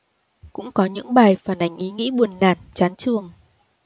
cũng có những bài phản ánh ý nghĩ buồn nản chán chường